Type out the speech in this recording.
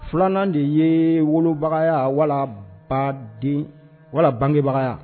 Filanan de ye wolobagaya wala baden wala bangebagaya